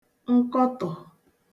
nkọtọ̀